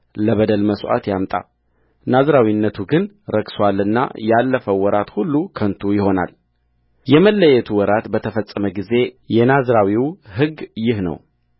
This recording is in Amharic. ለበደል መሥዋዕት ያምጣ ናዝራዊነቱ ግን ረክሶአልና ያለፈው ወራት ሁሉ ከንቱ ይሆናልየመለየቱ ወራት በተፈጸመ ጊዜ የናዝራዊው ሕግ ይህ ነው